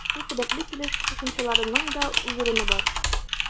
Шул сәбәпле килеш кушымчаларының да үз урыны бар.